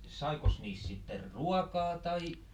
saikos niissä sitten ruokaa tai